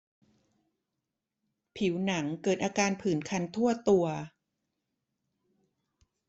ผิวหนังเกิดอาการผื่นคันทั่วตัว